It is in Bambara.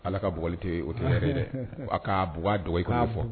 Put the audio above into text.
Ala ka bugli tɛ o tɛ yɛrɛ dɛ a ka bug dɔgɔ'a fɔ